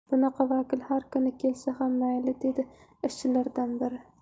bunaqa vakil har kuni kelsa ham mayli dedi ishchilardan biri